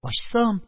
Ачсам